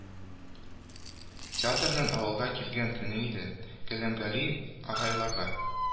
Театрның авылга килгән көне иде, галләмгали агайларга